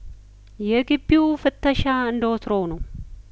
የግቢው ፍተሻ እንደወትሮው ነው